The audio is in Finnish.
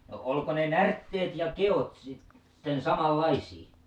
onko ne närtteet ja keot sitten samanlaisia